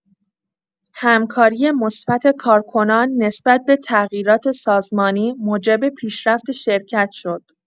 همکاری مثبت کارکنان نسبت به تغییرات سازمانی، موجب پیشرفت شرکت شد.